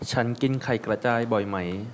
ฉันกินไข่กระจายบ่อยไหม